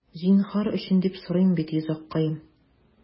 Зинһар өчен, диеп сорыйм бит, йозаккаем...